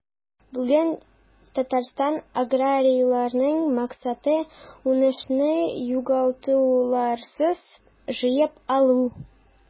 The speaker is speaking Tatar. Бүген Татарстан аграрийларының максаты – уңышны югалтуларсыз җыеп алу.